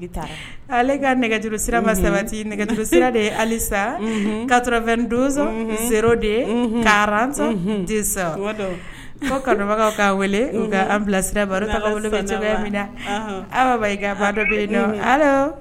Ka nɛgɛ ma sabati nɛgɛsa kato donso se de karanzɔn de ko kabagawkaw kaa an bilasira aw fa dɔ bɛ yen